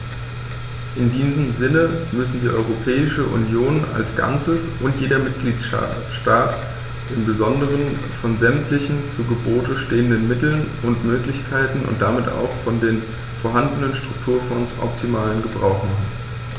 In diesem Sinne müssen die Europäische Union als Ganzes und jeder Mitgliedstaat im Besonderen von sämtlichen zu Gebote stehenden Mitteln und Möglichkeiten und damit auch von den vorhandenen Strukturfonds optimalen Gebrauch machen.